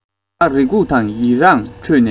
བདག རེ སྒུག དང ཡི རངས ཁྲོད ནས